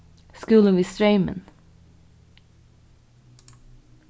skúlin við streymin